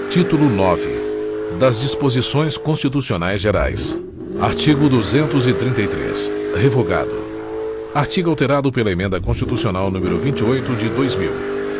título nove das disposições constitucionais gerais artigo duzentos e trinta e três revogado artigo alterado pela emenda constitucional número vinte e oito de dois mil